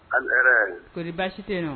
A ko baasi tɛ na